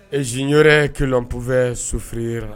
Et j'ignorais que l'on pouvait souffrir